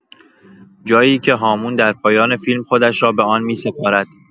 جایی که‌هامون در پایان فیلم خودش را به آن می‌سپارد.